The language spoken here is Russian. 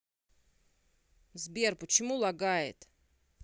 сбер почему лагает